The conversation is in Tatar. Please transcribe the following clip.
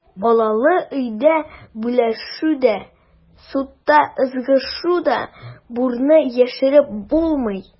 Балалы өйдә бүлешү дә, судта ызгышу да, бурны яшереп булмый.